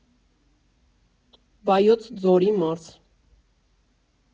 Վայոց Ձորի մարզ։